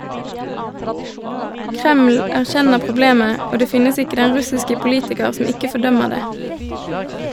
Kreml erkjenner problemet, og det finnes ikke den russiske politiker som ikke fordømmer det.